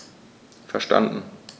Verstanden.